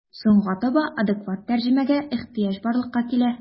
Соңга таба адекват тәрҗемәгә ихҗыяҗ барлыкка килә.